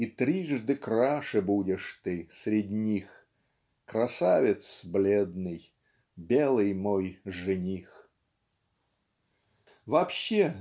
И трижды краше будешь ты средь них Красавец бледный белый мой жених! Вообще